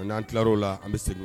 N'an tilar'o la an bɛ segin